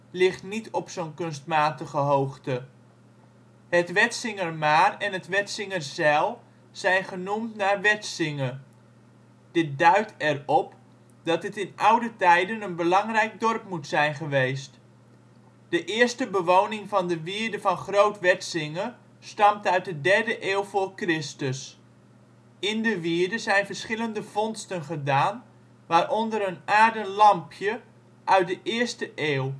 ligt niet op zo 'n kunstmatige hoogte. Het Wetsingermaar en de Wetsingerzijl zijn genoemd naar Wetsinge. Dit duidt erop dat het in oude tijden een belangrijk dorp moet zijn geweest. De eerste bewoning van de wierde van Groot Wetsinge stamt uit de 3e eeuw v.Chr. In de wierde zijn verschillende vondsten gedaan, waaronder een aarden lampje uit de 1e eeuw